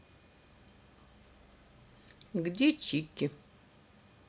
где чики